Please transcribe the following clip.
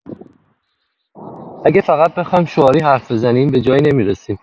اگه فقط بخوایم شعاری حرف بزنیم، به جایی نمی‌رسیم.